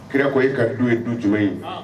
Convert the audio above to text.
Kira ko e ka du ye du jumɛn ye